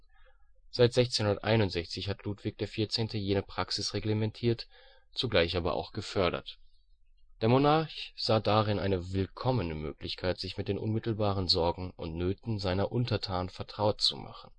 Seit 1661 hat Ludwig XIV. jene Praxis reglementiert, zugleich aber auch gefördert. Der Monarch sah darin eine willkommene Möglichkeit, sich mit den unmittelbaren Sorgen und Nöten seiner Untertanen vertraut zu machen